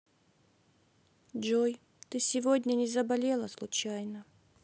джой ты сегодня не заболела случайно